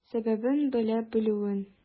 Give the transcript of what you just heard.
Сәбәбен белә белүен.